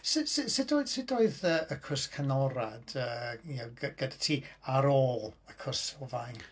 Su- su- sut oedd... sut oedd y cwrs canolradd yy y'know gyda ti ar ôl y cwrs sylfaen?